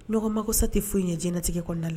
Ɲɔgɔnmago sa tɛ foyi ɲɛ jinɛtigɛ kɔnɔnada la